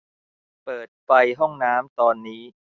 เปิดไฟห้องน้ำตอนนี้